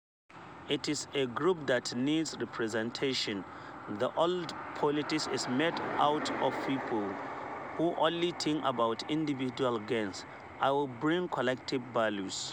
It’s a group that needs representation. The old politics is made out of people who only think about individual gains. I will bring collective values.